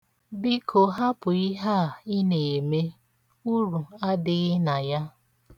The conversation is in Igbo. Biko hapu ihe a ị na-eme, uru adịghị na ya.